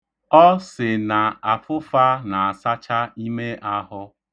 Ọ sị na afụfa na-asacha ime ahụ.